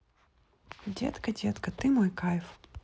детка детка ты мой кайф